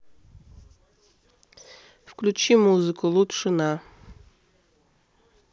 включи музыку лучше на